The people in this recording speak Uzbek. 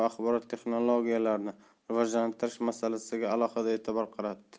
axborot texnologiyalarini rivojlantirish masalasiga alohida e'tibor qaratdi